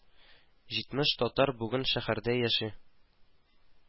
Җитмеш татар бүген шәһәрдә яши